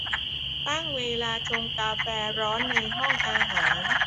ตั้งเวลาชงกาแฟร้อนในห้องอาหาร